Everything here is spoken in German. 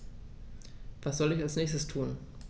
Was soll ich als Nächstes tun?